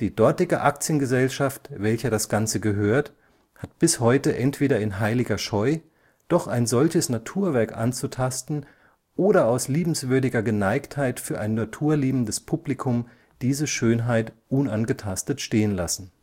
dortige Aktiengesellschaft, welcher das Ganze gehört, hat bis heute entweder in heiliger Scheu, doch ein solches Naturwerk anzutasten oder aus liebenswürdiger Geneigtheit für ein naturliebendes Publikum diese Schönheit unangetastet stehen lassen